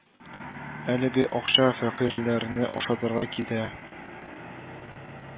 Әлеге акча фәкыйрьләрне ашатырга китә